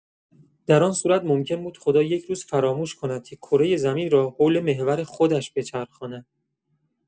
در آن صورت، ممکن بود خدا یک روز فراموش کند که کره زمین را حول محور خودش بچرخاند.